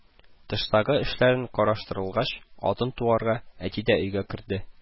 Тыштагы эшләрен караштыргалагач, атын туаргач, әти дә өйгә керде